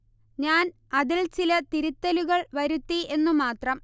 ഞാൻ അതിൽ ചില തിരുത്തലുകൾ വരുത്തി എന്നു മാത്രം